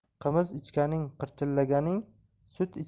qimiz ichganing qirchillaganing